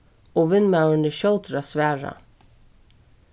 og vinmaðurin er skjótur at svara